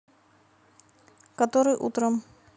который утром